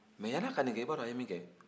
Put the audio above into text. mɛ yanni a ka nin kɛ i b'a dɔn a ye min kɛ